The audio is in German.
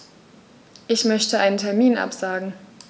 Ich möchte einen Termin absagen.